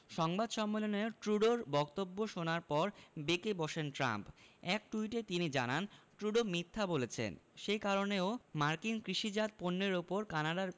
সংবাদ সম্মেলনে ট্রুডোর বক্তব্য শোনার পর বেঁকে বসেন ট্রাম্প এক টুইটে তিনি জানান ট্রুডো মিথ্যা বলেছেন সে কারণে ও মার্কিন কৃষিজাত পণ্যের ওপর কানাডার